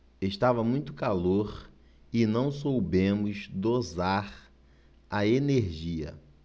estava muito calor e não soubemos dosar a energia